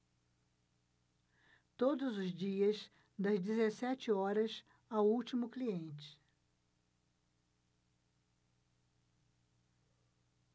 todos os dias das dezessete horas ao último cliente